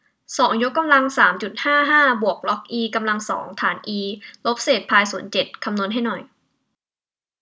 สองยกกำลังสามจุดห้าห้าบวกล็อกอีกำลังสองฐานอีลบเศษพายส่วนเจ็ดคำนวณให้หน่อย